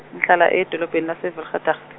ngihlala edolobheni lase .